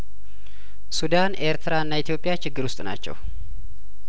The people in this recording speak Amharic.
ሱዳን ኤርትራና ኢትዮጵያችግር ውስጥ ናቸው